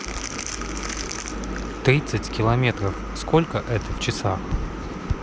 тридцать километров сколько это в часах